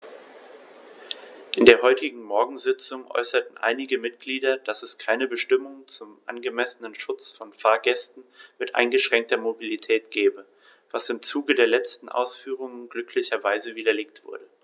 In der heutigen Morgensitzung äußerten einige Mitglieder, dass es keine Bestimmung zum angemessenen Schutz von Fahrgästen mit eingeschränkter Mobilität gebe, was im Zuge der letzten Ausführungen glücklicherweise widerlegt wurde.